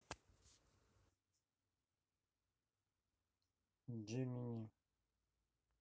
gemini